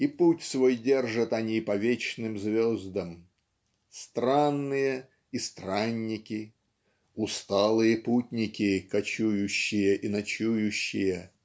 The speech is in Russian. и путь свой держат они по вечным звездам. Странные и странники "усталые путники кочующие и ночующие"